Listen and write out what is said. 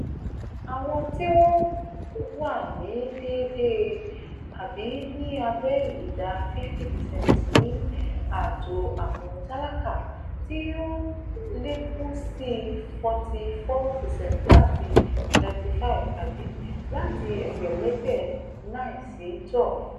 àwọn tí wọ́n wà ní dèèdé àbí ní abẹ́ ìdá 50% ní ààtò àwọn tálákà, tí ó lékún sí 44% láti 35 (àbí, láti ẹgbẹ̀lẹ́gbẹ̀ 9 sí 12).